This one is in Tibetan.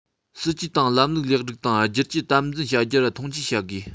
སྲིད ཇུས དང ལམ ལུགས ལེགས སྒྲིག དང བསྒྱུར བཅོས དམ འཛིན བྱ རྒྱུར མཐོང ཆེན བྱ དགོས